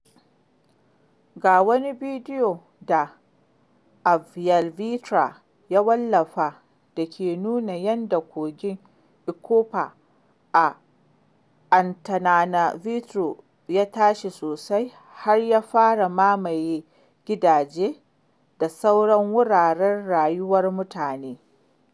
Ga wani bidiyo da avyalvitra ya wallafa da ke nuna yadda kogin Ikopa a Antananarivo ya tashi sosai har ya fara mamaye gidaje da sauran wuraren rayuwar mutane.